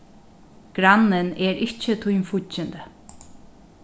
grannin er ikki tín fíggindi